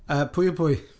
Yy pwy yw pwy?